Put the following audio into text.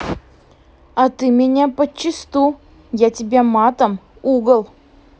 а ты меня почасту я тебе матом угол